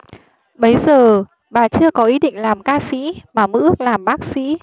bấy giờ bà chưa có ý định làm ca sĩ mà mơ ước làm bác sĩ